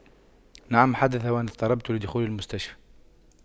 نعم حدث وأن اضطربت لدخول المستشفى